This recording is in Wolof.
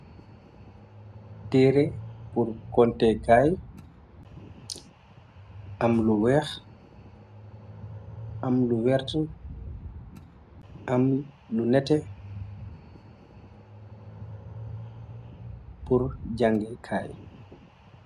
Teere pur kontekaay, am lu weex, am lu werta, am lu nete, pur jangekaay.